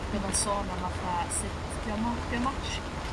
Ag odd o'n sôn am fatha sut 'di o mor 'di o'm otsh